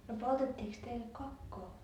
no poltettiinkos teillä kokkoa